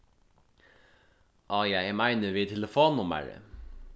áh ja eg meini við telefonnummarið